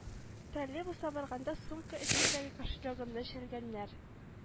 Троллейбуста барганда сумка эчендәге кошелегымны чәлгәннәр